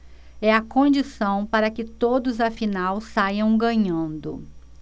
é a condição para que todos afinal saiam ganhando